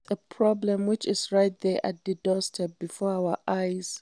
It is a problem which is right there at the doorstep, before our eyes.